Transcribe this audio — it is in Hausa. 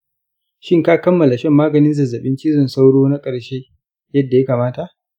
shin ka kammala shan maganin zazzabin cizon sauro na ƙarshe yadda ya kamata?